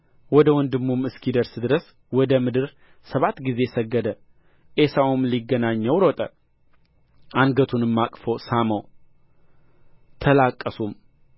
ወደ ወንድሙም እስኪደርስ ድረስ ወደ ምድር ሰባት ጊዜ ሰገደ ዔሳውም ሊገናኘው ሮጠ አንገቱንም አቅፎ ሳመው ተላቀሱም